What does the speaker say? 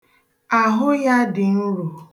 Ahụ ya dị nro.